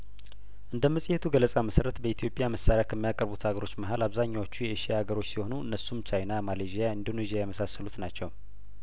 እንደ መጽሄቱ ገለጻ መሰረት በኢትዮጵያ መሳሪያከሚ ያቀርቡት አገሮች መሀል አብዛኛዎቹ የኤሽያ አገሮች ሲሆኑ እነሱም ቻይና ማሌዥያ ኢንዶኔዥያ የመሳሰሉት ናቸው